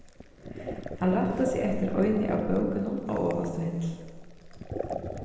hann rætti seg eftir eini av bókunum á ovastu hill